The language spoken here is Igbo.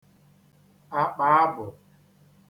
àkpàabụ̀